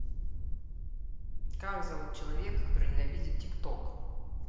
как зовут человека который ненавидит тик ток